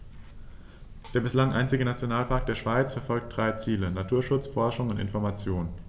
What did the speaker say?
Der bislang einzige Nationalpark der Schweiz verfolgt drei Ziele: Naturschutz, Forschung und Information.